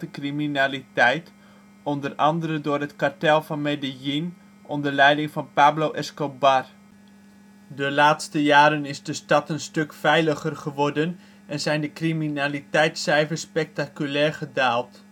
criminaliteit, onder andere door het kartel van Medellín, onder leiding van Pablo Escobar. De laatste jaren is de stad een stuk veiliger geworden en zijn de criminaliteitscijfrs spectaculair gedaald